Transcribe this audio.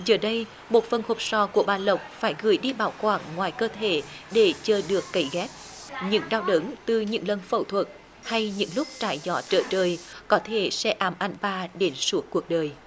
giờ đây một phần hộp sọ của bà lộc phải gửi đi bảo quản ngoài cơ thể để chờ được cấy ghép những đau đớn từ những lần phẫu thuật hay những lúc trái gió trở trời có thể sẽ ám ảnh bà đến suốt cuộc đời